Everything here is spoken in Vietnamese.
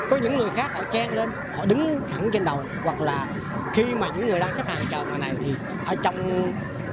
có những người khác họ chen lên họ đứng thẳng trên đầu hoặc là khi mà những người đang xếp hàng chờ ngoài này thì ở trong